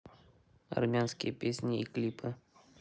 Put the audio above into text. армянские песни и клипы